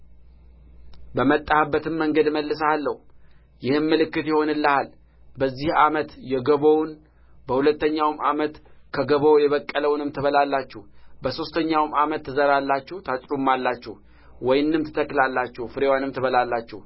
በመጣህበትም መንገድ እመልስሃለሁ ይህም ምልክት ይሆንሃል በዚህ ዓመት የገቦውን በሁለተኛውም ዓመት ከገቦው የበቀለውን ትበላላችሁ በሦስተኛውም ዓመት ትዘራላችሁ ታጭዱማላችሁ ወይንንም ትተክላላችሁ ፍሬውንም ትበላላችሁ